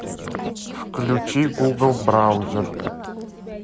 включи google браузер